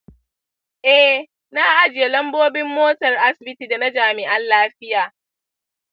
eh, na ajiye lambobin motar asibiti dana jami'an lafiya